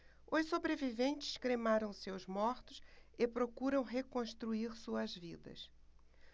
os sobreviventes cremaram seus mortos e procuram reconstruir suas vidas